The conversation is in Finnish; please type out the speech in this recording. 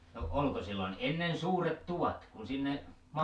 no oliko silloin ennen suuret tuvat kun sinne -